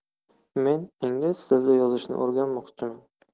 men ingliz tilida yozishni o'rganmoqchiman